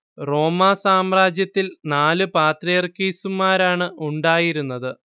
റോമാ സാമ്രാജ്യത്തിൽ നാലു പാത്രിയാർക്കീസുമാരാണ് ഉണ്ടായിരുന്നത്